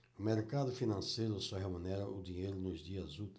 o mercado financeiro só remunera o dinheiro nos dias úteis